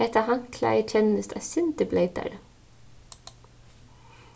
hetta handklæðið kennist eitt sindur bleytari